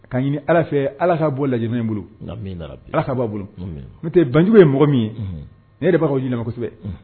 Ka ɲini ala fɛ ala bɔ lajɛj bolo ala b'a bolo n tɛ banjugu ye mɔgɔ min ye ne de'a jisɛbɛ